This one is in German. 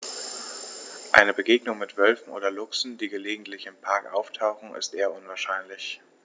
Eine Begegnung mit Wölfen oder Luchsen, die gelegentlich im Park auftauchen, ist eher unwahrscheinlich.